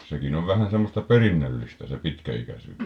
sekin on vähän semmoista perinnöllistä se pitkäikäisyys